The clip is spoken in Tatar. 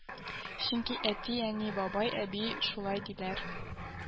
Чөнки әти, әни, бабай, әби шулай диләр.